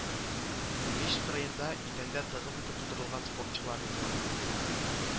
Мич кырыенда, идәндә, тыгыз итеп тутырылган спортчылар рюкзагы